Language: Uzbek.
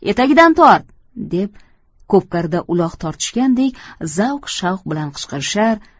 etagidan tort deb ko'pkarida uloq tortishgandek zavq shavq bilan qichqirishar